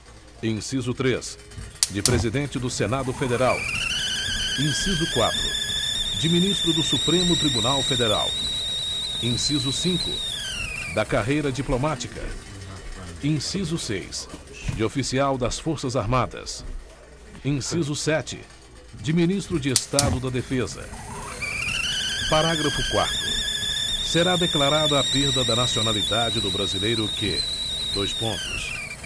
inciso três de presidente do senado federal inciso quatro de ministro do supremo tribunal federal inciso cinco da carreira diplomática inciso seis de oficial das forças armadas inciso sete de ministro de estado da defesa parágrafo quarto será declarada a perda da nacionalidade do brasileiro que dois pontos